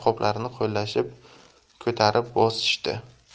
qoplarni qo'llashib ko'tarib bosishdi